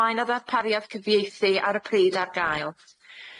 mae na ddarpariaeth cyfieithu ar y pryd a'r gael.